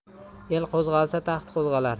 el qo'zg'alsa taxt qo'zg'alar